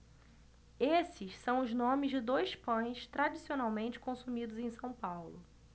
esses são os nomes de dois pães tradicionalmente consumidos em são paulo